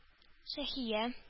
Шаһия